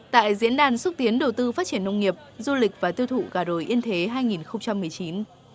tại diễn đàn xúc tiến đầu tư phát triển nông nghiệp du lịch và tiêu thụ gà đồi yên thế hai nghìn không trăm mười chín